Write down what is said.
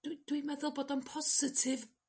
Dw- dwi'n meddwl bod o'n positif